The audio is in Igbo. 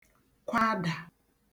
kwadà